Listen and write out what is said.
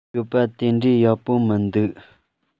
སྤྱོད པ དེ འདྲའི ཡག པོ མི འདུག